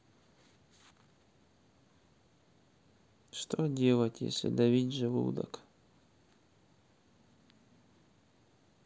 что делать если давить желудок